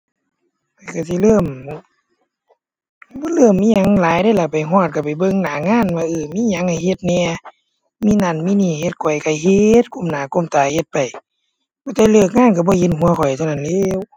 ก็สิเริ่ม บ่เริ่มอิหยังหลายเดะล่ะ ไปฮอดก็ไปเบิ่งหน้างานว่า เอ้อ มีหยังให้เฮ็ดแหน่ มีนั่นมีนี่ให้เฮ็ดข้อยก็เฮ็ด ก้มหน้าก้มตาเฮ็ดไป ว่าแต่เลิกงานก็บ่เห็นหัวข้อยเท่านั้นแหล้ว